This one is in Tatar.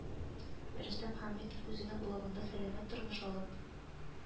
Рөстәм Хәмитов үзенең блогында сәламәт тормыш алып